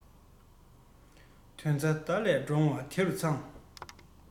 དོན རྩ མདའ ལས འདྲོང བ དེ རུ ཚང